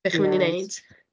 Be chi'n mynd i wneud?